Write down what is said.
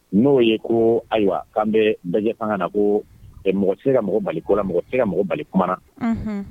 N'o ye ko ayiwa k' an bɛ bɛɛ ka na ko mɔgɔ se ka bali mɔgɔ se ka mɔgɔ bali kuma na